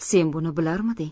sen buni bilarmiding